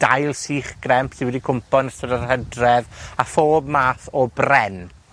dail sych gremp sy wedi cwmpo yn ystod yr Hydref, a phob math o bren.